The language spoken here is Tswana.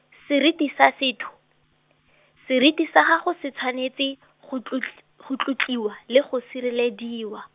seriti sa setho, seriti sa gagwe se tshwanetse, go tlotl-, go tlotliwa, le go sirelediwa.